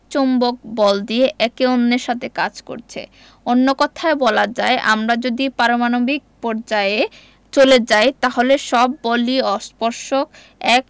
চৌম্বক বল দিয়ে একে অন্যের সাথে কাজ করছে অন্য কথায় বলা যায় আমরা যদি পারমাণবিক পর্যায়ে চলে যাই তাহলে সব বলই অস্পর্শক এক